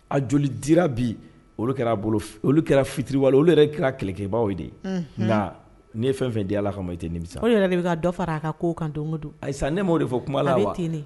A joli dira bi olu kɛra bolo, olu kɛra fitiriwale olu yɛrɛ kɛra a kɛlɛkɛbaw de ye . Nga ni ye fɛn fɛn di Ala kama e tɛ nimisa . O yɛrɛ de bi ka dɔ fara a ka kow kan don gon don . Ayi sa, ne ma o de fɔ kuma n a wa?